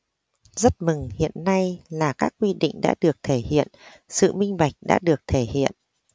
rất mừng hiện nay là các quy định đã được thể hiện sự minh bạch đã được thể hiện